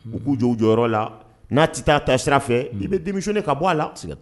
U b'u jɔ u jɔyɔrɔ la n'a tɛ taa ta sira fɛ i bɛ denmisɛn ka bɔ a la